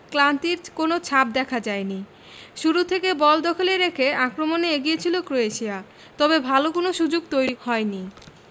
ক্লান্তির কোনো ছাপ দেখা যায়নি শুরু থেকে বল দখলে রেখে আক্রমণে এগিয়ে ছিল ক্রোয়েশিয়া তবে ভালো কোনো সুযোগ তৈরি হয়নি